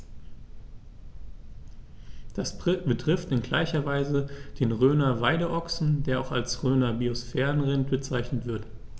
Dies betrifft in gleicher Weise den Rhöner Weideochsen, der auch als Rhöner Biosphärenrind bezeichnet wird.